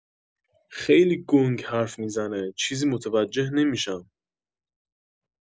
خیلی گنگ حرف می‌زنه چیزی متوجه نمی‌شم